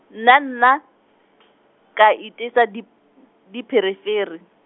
nna nna , ka itesa dip- , dipherefere.